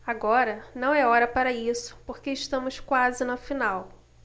agora não é hora para isso porque estamos quase na final